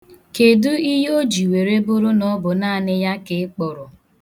Kedu ihe o ji were bụrụ na ọ bụ naanị ka ị kpọrọ?